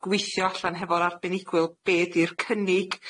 gweithio allan hefo'r arbenigwyl be' ydi'r cynnig